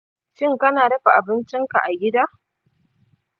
shin kana dafa abincinka a gida?